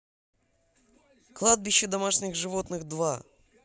кладбище домашних животных два